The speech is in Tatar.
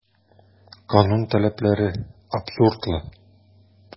Канун таләпләре абсурдлы.